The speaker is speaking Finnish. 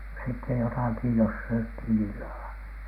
sitten jotakin jos syötiin illalla